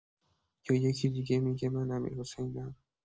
یا یکی دیگه می‌گه من امیرحسینم.